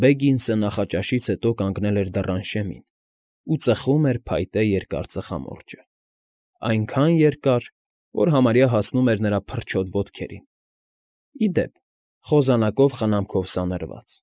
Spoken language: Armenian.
Բեգինսը նախաճաշից հետո կանգնել էր դռան շեմին ու ծխում էր փայտե երկար ծխամորճը, այնքան երկար, որ համարյա հասնում էր նրա փռչոտ ոտքերին (ի դեպ խոզանակով խնամքով սանրած)։